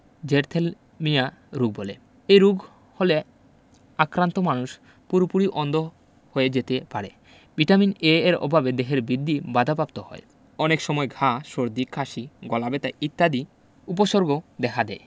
xerophthalmia রোগ বলে এই রোগ হলে আক্রান্ত মানুষ পুরোপুরি অন্ধ হয়ে যেতে পারে ভিটামিন A এর অভাবে দেহের বৃদ্ধি বাধাপ্রাপ্ত হয় অনেক সময় ঘা সর্দি কাশি গলাব্যথা ইত্যাদি উপসর্গও দেখা দেয়